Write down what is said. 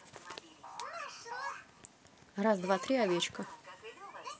раз два три овечка